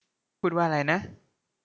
พูดว่าอะไรนะ